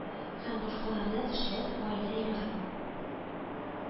Һәм башкаларда эшләп, гаилә ярым